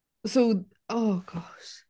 So, oh gosh.